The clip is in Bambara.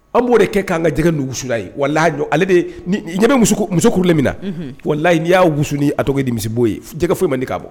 An b'o de kɛ'an ka jɛgɛdugus ye wala la jɔ ale muso'umin na wa layi n y'a wusuni a tɔgɔ ni misibo ye jɛgɛ foyi man di k'a bɔ